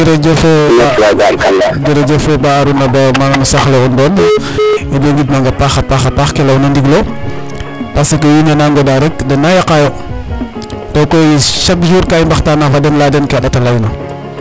Jerejef Ba Arona Ba maana no saax le o Nodon in wey ngidmang a paax a paax ke layoona ndigil o parce que wiin we na ngodaa rek den na yaqaayo to koy chaque jour ka i mbaxtaanaa fo den layaa dene ke ƭat a layna.